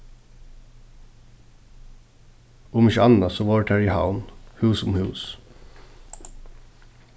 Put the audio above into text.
um ikki annað so vóru tær í havn hús um hús